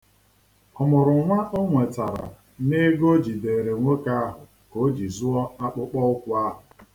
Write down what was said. Ọmụrụnwa o nwetere n'ego o jideere nwoke ahụ ka o ji zụọ akpụkpọ ụkwụ ahụ.